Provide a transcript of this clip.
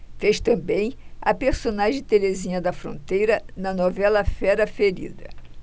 fez também a personagem terezinha da fronteira na novela fera ferida